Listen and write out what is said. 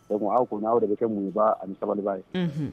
Dɔn aw kɔni aw de bɛ kɛ munba ani sabali ye